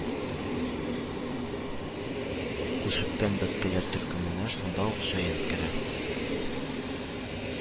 Күшеккән бәбкәләр төркеменә шунда ук җан керә